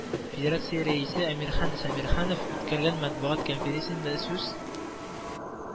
Федерация рәисе Әмирхан Сәмирханов үткәргән матбугат конференциясендә сүз